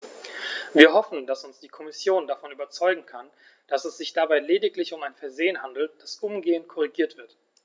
Wir hoffen, dass uns die Kommission davon überzeugen kann, dass es sich dabei lediglich um ein Versehen handelt, das umgehend korrigiert wird.